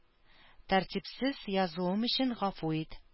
Тәртипсез язуым өчен гафу ит.